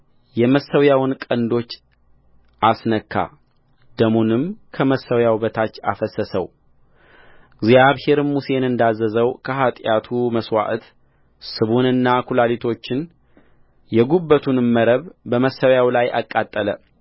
የመሠዊያውን ቀንዶች አስነካ ደሙንም ከመሠዊያው በታች አፈሰሰውእግዚአብሔርም ሙሴን እንዳዘዘው ከኃጢአቱ መሥዋዕት ስቡንና ኵላሊቶቹን የጕበቱንም መረብ በመሠዊያው ላይ አቃጠለ